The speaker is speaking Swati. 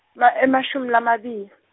ma emashumi lamabili .